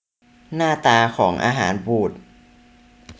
หน้าตาของอาหารบูด